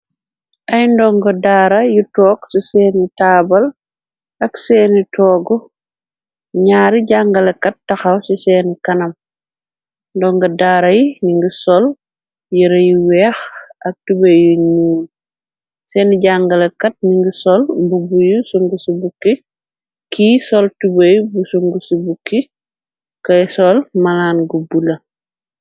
ay ndonga daara yu toog ci seeni taabal ak seeni toog ñaari jàngalakat taxaw ci seeni kanam ndonga daara y ni ngi sol yera yu weex ak tube yu niiñ seeni jàngalakat ni ngi sol mbu buyu sung ci bukki ki sol tubey bu sung ci bukki koy sol malaan gubbu la